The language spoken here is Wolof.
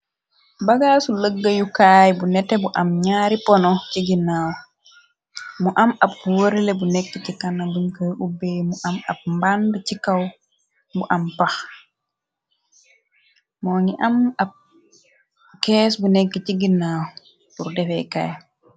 bagaasu lëggayu kaay bu nete bu am ñaari pono ci ginnaaw mu am ab wërale bu nekk ci kana bunkay ubb mu am ab mband ci kaw bu am pax moongi am ab kees bu nekk ci ginnaaw pur defe kaay